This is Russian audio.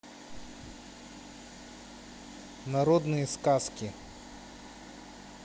народные сказки